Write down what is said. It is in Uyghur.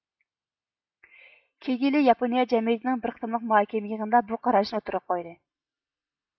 كىگلېي ياپونىيە جەمئىيىتىنىڭ بىر قېتىملىق مۇھاكىمە يىغىنىدا بۇ قاراشنى ئوتتۇرغا قويدى